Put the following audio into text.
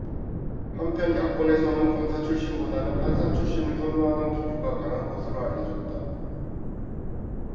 한편 야권에서는 검사 출신보다는 판사 출신을 선호하는 기류가 강한 것으로 알려졌다